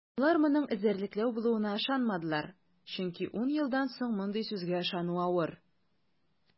Алар моның эзәрлекләү булуына ышанмадылар, чөнки ун елдан соң мондый сүзгә ышану авыр.